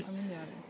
amiin yaa rabi